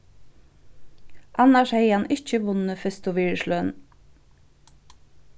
annars hevði hann ikki vunnið fyrstu virðisløn